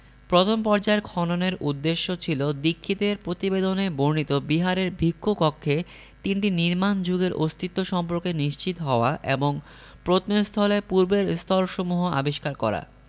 প্রথম পর্যায়ের খননের উদ্দেশ্য ছিল দীক্ষিতের প্রতিবেদনে বর্ণিত বিহারের ভিক্ষু কক্ষে তিনটি নির্মাণ যুগের অস্তিত্ব সম্পর্কে নিশ্চিত হওয়া এবং প্রত্নস্থলের পূর্বের স্তরসমূহ আবিষ্কার করা